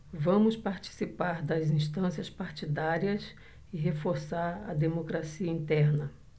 vamos participar das instâncias partidárias e reforçar a democracia interna